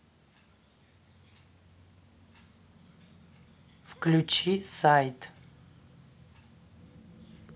включи сайт